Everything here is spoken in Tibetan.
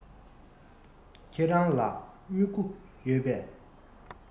ཁྱེད རང ལ སྨྱུ གུ ཡོད པས